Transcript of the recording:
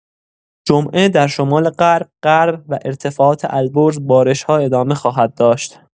جمعه در شمال غرب، غرب و ارتفاعات البرز بارش‌ها ادامه خواهد داشت.